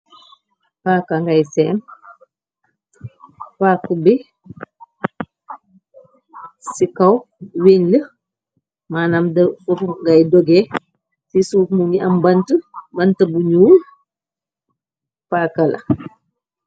ngay sepaaku bi ci kaw winli manam fufu ngay doge ci suuf mu ngi am bant buñu paaka la